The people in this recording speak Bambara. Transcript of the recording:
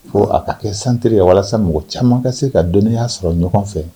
Ko a ka kɛ centre ye walasa mɔgɔ caaman ka se ka donniya sɔrɔ ɲɔgɔn fɛ.